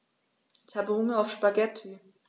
Ich habe Hunger auf Spaghetti.